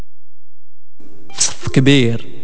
كبير